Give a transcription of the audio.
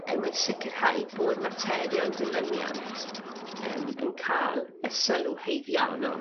er mwyn sicirhau bod materion dilyniant yym yn ca'l y sylw haeddiannol.